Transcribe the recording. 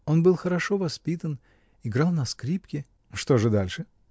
Он был хорошо воспитан, играл на скрипке. — Что же дальше?